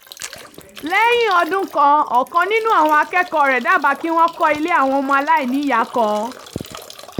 Lẹ́yìn ọdún kan, ọ̀kan nínú àwọn akẹ́kọ̀ọ́ rẹ̀ dábàá kí wọ́n kọ́ ilé àwọn ọmọ aláìníyàá kan.